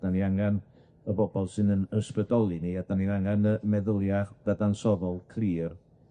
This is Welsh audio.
'Dyn ni angen y bobol sy'n 'yn ysbrydoli ni, a 'dan ni'n angen y meddylia' dadansoddol clir